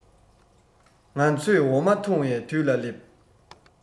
ང ཚོས འོ མ འཐུང བའི དུས ལ སླེབས